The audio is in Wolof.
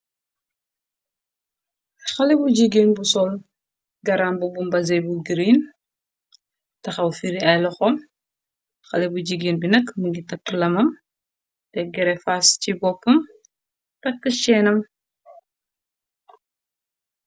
Haley bu jigeen bu sol garambubu mbasin bu green, tahaw firi ay lohom. Haley bu jigeen bi nak mungi takk lamam, tekk gèrèfas ci boppam, takk chennam.